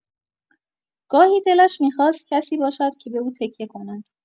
گاهی دلش می‌خواست کسی باشد که به او تکیه کند.